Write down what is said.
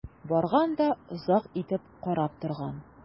Барган да озак итеп карап торган.